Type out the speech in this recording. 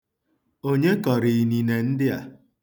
Onye kọrọ inine ndị a?